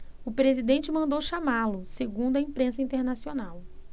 o presidente mandou chamá-lo segundo a imprensa internacional